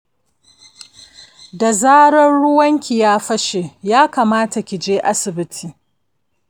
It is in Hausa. da zaran ruwanki ya fashe, yakamata kije asibiti.